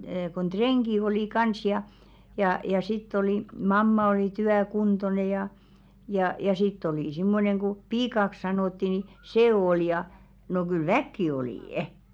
kun rengit oli kanssa ja ja ja sitten oli mamma oli työkuntoinen ja ja ja sitten oli semmoinen kun piiaksi sanottiin niin se oli ja no kyllä väkeä oli